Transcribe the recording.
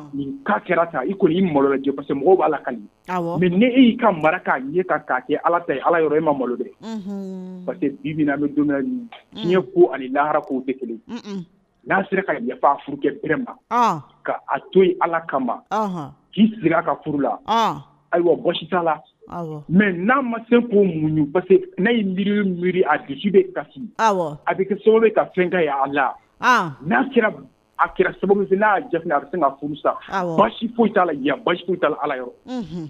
' mɛ e y'i kaa' kɛ ala ta ala e ma malohara' kelen n'a serafa ma to ala kama k'i sera a ka furu la ayiwa t'a la mɛ n'a ma ko mu miiri miiri a dususi bɛ kasi a bɛ sababu ka fɛn ka a la n'a sera a sababu na a bɛ se ka furu sa basi foyi basi' ala